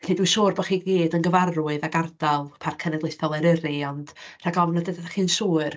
Felly dwi'n siŵr eich bod chi i gyd yn gyfarwydd ag ardal Parc Cenedlaethol Eryri, ond rhag ofn nad ydych chi'n siŵr...